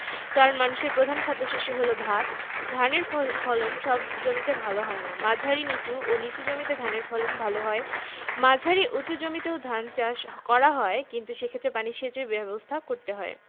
কারন মানুষের প্রধান খাদ্যশস্য হলো ভাত ধানের ফ ফলন সব জমিতে ভালো হয় না মাঝারি নিচু ও নিচু জমিতে ধানের ফলন ভালো হয় মাঝারি উচু জমিতেও ধান চাষ করা হয় কিন্তু সেক্ষেত্রে পানি সেচের ব্যাবস্থা করতে হয়